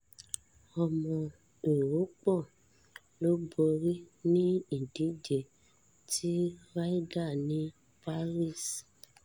Ọmọ Úróópù ló borí ní ìdíje ti Ryder ní Paris